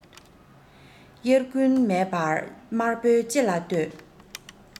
དབྱར དགུན མེད པར དམར པོའི ལྕེ ལ ལྟོས